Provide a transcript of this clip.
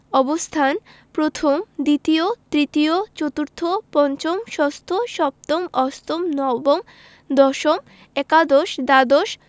অবস্থানঃ প্রথম দ্বিতীয় তৃতীয় চতুর্থ পঞ্চম ষষ্ঠ সপ্তম অষ্টম নবম দশম একাদশ দ্বাদশ